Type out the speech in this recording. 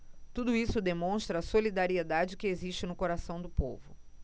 tudo isso demonstra a solidariedade que existe no coração do povo